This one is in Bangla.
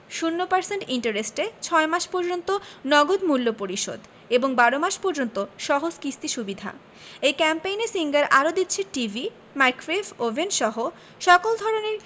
০% ইন্টারেস্টে ৬ মাস পর্যন্ত নগদ মূল্য পরিশোধ এবং ১২ মাস পর্যন্ত সহজ কিস্তি সুবিধা এই ক্যাম্পেইনে সিঙ্গার আরো দিচ্ছে টিভি মাইক্রোওয়েভ ওভেনসহ সকল ধরনের